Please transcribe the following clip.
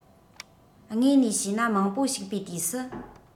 དངོས ནས བྱས ན མང པོ ཞིག པའི དུས སུ